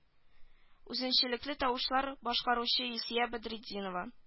Үзенчәлекле тавышлы башкаручы илсөя бәдретдинова